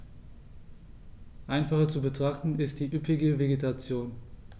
Einfacher zu betrachten ist die üppige Vegetation.